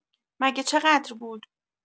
مگه چقدر بود؟